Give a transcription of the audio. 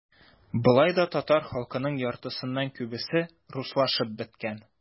Болай да татар халкының яртысыннан күбесе - руслашып беткән.